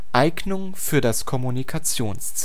Eignung für das Kommunikationsziel